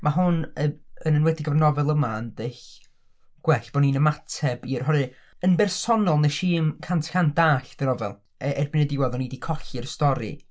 Ma' hwn y- yn enwedig efo'r nofel yma yn ddull gwell bo' ni'n ymateb i'r... oherwydd yn bersonol nes i'm cant y cant dallt y nofel e- erbyn y diwadd o'n i di colli'r stori.